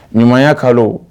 Ninya kalo